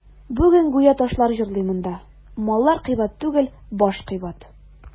Бүген гүя ташлар җырлый монда: «Маллар кыйбат түгел, баш кыйбат».